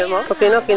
Gnilane Ndour